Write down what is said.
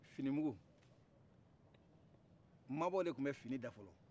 fini mugu mabɔw de tu bɛ fini da fɔlɔ